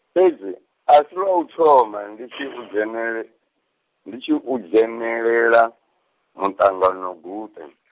fhedzi, a si lwa uthoma ndi tshi u dzhene-, ndi tshi u dzhenelela, muṱanganoguṱe.